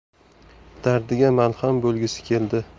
dardiga malham bo'lgisi keldi